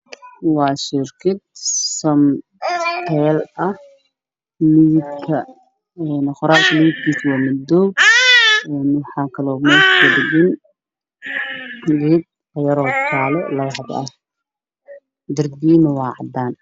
Waa shirkad samtel ah qoraalka midabkiisu waa madow waxaa kaloo meesha kudhagan kalar yaro jaale ah oo labo xabo ah, darbiga waa cadaan.